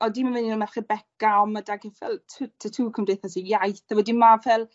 odi ma'n un o Merched Beca ond ma 'dag 'i ffel tw- tatŵ Cymdeithas yr Iaith a wedy ma' ffel